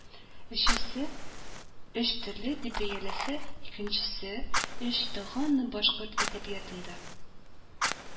«өчесе өч төрле» дип бәяләсә, икенче «өч таган»ны «башкорт әдәбиятында